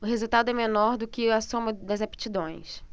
o resultado é menor do que a soma das aptidões